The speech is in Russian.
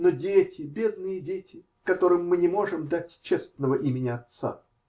Но дети, бедные дети, которым мы не можем дать честного имени отца!